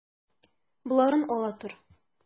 Боларын ала тор.